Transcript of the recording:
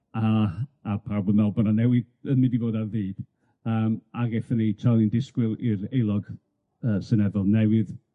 A a pawb yn meddwl bo' 'na newid yn mynd i fod ar fyd yym ag ethon ni, tra o'n i'n disgwyl i'r Aelod yy Seneddol newydd